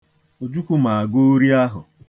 Ojukwu ma agụ uri ahụ